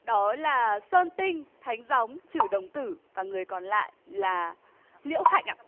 đó là sơn tinh thánh gióng chử đồng tử và người còn lại là liễu hạnh ạ